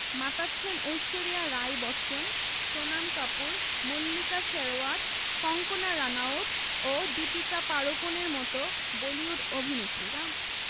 মাতাচ্ছেন ঐশ্বরিয়া রাই বচ্চন সোনম কাপুর মল্লিকা শেরওয়াত কঙ্গনা রানাউত ও দীপিকা পাড়কোনের মতো বলিউড অভিনেত্রীরা